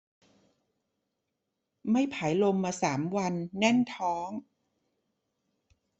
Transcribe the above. ไม่ผายลมมาสามวันแน่นท้อง